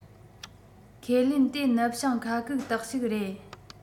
ཁས ལེན དེ ནུབ བྱང ཁ གུག རྟགས ཞིག རེད